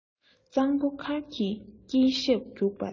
གཙང པོ མཁར གྱི དཀྱིལ ཞབས རྒྱུགས པ དེ